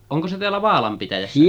onko se täällä Vaalan pitäjässä